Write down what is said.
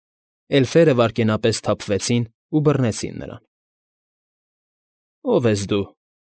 Էլֆերը վայրկենապես սթափվեցին ու բռնեցին նրան։ ֊ Ո՞վ ես դու։